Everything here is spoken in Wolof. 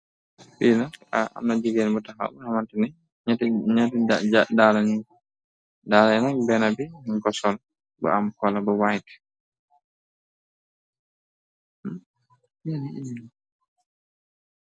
Fi nak amna jigeen bu taxaw bu xamante ni ñyati daala ñga ni daala yi nak bena bi ñu ko sol bu am cola bu white.